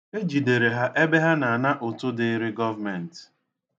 E jidere ha ebe ha na-ana ụtụ dịịrị gọọmenti